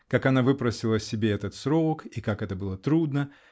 как она выпросила себе этот срок -- и как это было трудно